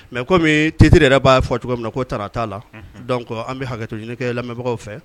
Mais comme titre yɛrɛ ba fɔ cogo min ko tana ta la . Unhun donc An be haketo ɲini kɛ lamɛnbagaw fɛ.